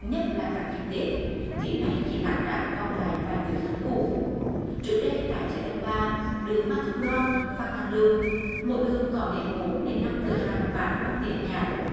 nhất là cạc dịp tết thì nay chỉ lạc đạc còn lại vài người khách cũ trước đây tại chợ đông ba đường mai thúc loan phan đăng lưu mỗi đường có đến bốn đến năm cửa hàng bản băng đĩa nhạc